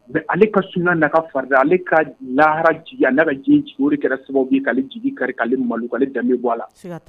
Mais ale ka suna n'a ka farida ale ka lahara jigi, n'a ka diɲɛ, o de kɛra sababu ye k'ale jigi kari, k'ale malo, k'ale danbe bɔ a la.